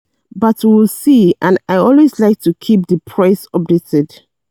But we'll see and I always like to keep the press updated."